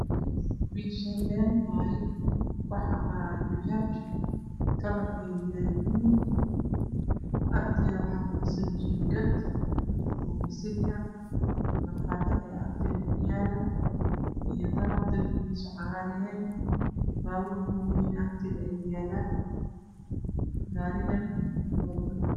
Mashan waa lami waxa marayo bajaj iyo kalar kedo waa qahwi iyo gadud waxa dhicyad uga yalo kuryo kalar kode waa cadan baluug iyo cades